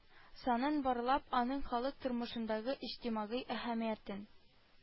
Санын барлап, аның халык тормышындагы иҗтимагый әһәмиятен